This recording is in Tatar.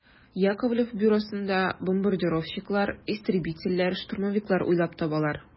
Яковлев бюросында бомбардировщиклар, истребительләр, штурмовиклар уйлап табалар.